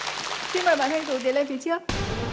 xin mời bạn thanh tú tiến lên phía trước